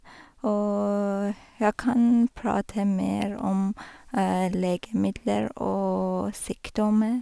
Og jeg kan prate mer om legemidler og sykdommer.